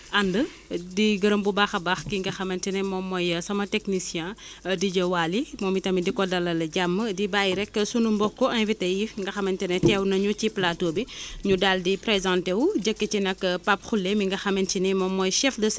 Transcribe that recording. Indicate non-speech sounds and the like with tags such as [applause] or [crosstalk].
am nañu benn logicile bi nga xamante ne bi moom moo koy moom moo koy calculé [breath] de telle sorte que variété boo bu ci nekk bi ñu commencé jour bi nga xamante ne bi ji nañu ko ba nga xamante bi germé na normalement buñ ko toppee mën nañu xam exactement kañ la war a mën a arrivé kii quoi en maturité quoi